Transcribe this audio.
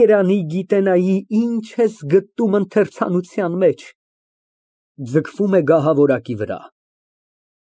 Երանի գիտենայի, ինչ ես գտնում ընթերցանության մեջ։ (Ձգվում է գահավորակի վրա)։